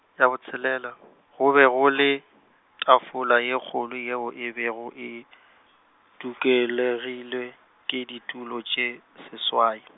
ya botshelela, go be gole, tafola ye kgolo yeo e be go e , dukelegile- ke ditulo tše, seswai .